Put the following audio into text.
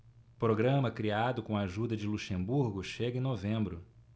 programa criado com a ajuda de luxemburgo chega em novembro